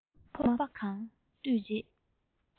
འོ མ ཕོར པ གང ལྡུད རྗེས